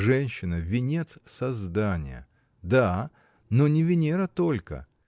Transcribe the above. Женщина — венец создания, — да, но не Венера только.